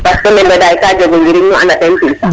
parce que nebeday ka jego njiriñ nu anda ten tig